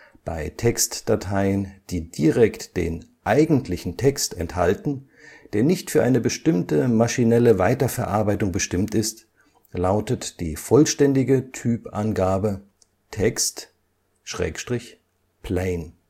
Bei Textdateien, die direkt den „ eigentlichen “Text enthalten, der nicht für eine bestimmte maschinelle Weiterverarbeitung bestimmt ist, lautet die vollständige Typangabe text/plain